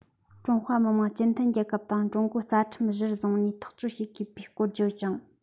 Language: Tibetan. ཀྲུང ཧྭ མི དམངས སྤྱི མཐུན རྒྱལ ཁབ དང ཀྲུང གོའི རྩ ཁྲིམས གཞིར བཟུང ནས ཐག གཅོད བྱེད དགོས པའི སྐོར བརྗོད ཅིང